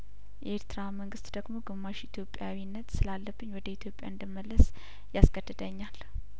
የኤርትራ መንግስት ደግሞ ግማሽ ኢትዮጵያዊነት ስላለብኝ ወደ ኢትዮጵያ እንድ መለስ ያስገድደኛል